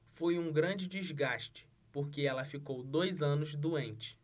foi um grande desgaste porque ela ficou dois anos doente